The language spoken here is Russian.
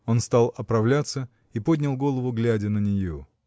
Он стал оправляться и поднял голову, глядя на нее.